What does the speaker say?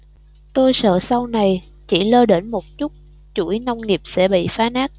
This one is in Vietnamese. tôi sợ sau này chỉ lơ đễnh một chút chuỗi nông nghiệp sẽ bị phá nát